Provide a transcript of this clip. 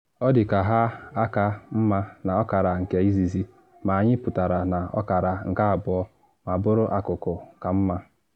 Ọ dị ka ha aka mma n’ọkara nke izizi, ma anyị pụtara n’ọkara nke abụọ ma bụrụ akụkụ ka mma.